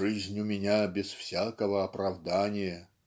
"Жизнь у меня без всякого оправдания".